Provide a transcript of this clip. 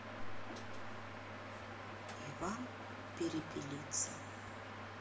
иван перепелица